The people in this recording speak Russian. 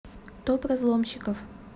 топ разломщиков